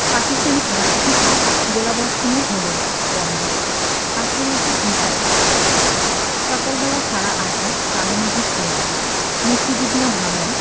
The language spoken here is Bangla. পাকিস্তানি ঘাঁটি থেকে গোলাবর্ষণও হলো বন্ধ ১৮ এপ্রিল ১৯৭১ সকাল বেলা সারা আকাশ কালো মেঘে ছেয়ে গেল মুক্তিযোদ্ধারা ভাবলেন